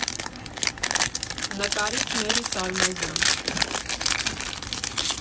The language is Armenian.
Նկարիչ՝ Մերի Սարմազյան։